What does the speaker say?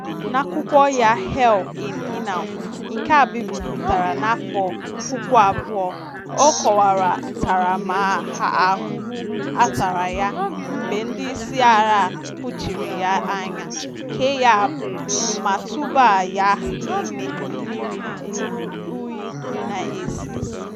N'akwụkwọ ya "Hell in Inal", nke e bipụtara n'afọ 2000, ọ kọwara ntaramahụhụ a tara ya, mgbe ndị isi agha kpuchiri ya anya, kee ya agbụ, ma tụbaa ya n'ime mmiri ruru unyi, na-esi isi.